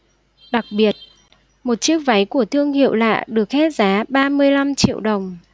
đặc biệt một chiếc váy của thương hiệu lạ được hét giá ba mươi lăm triệu đồng